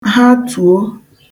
hatùo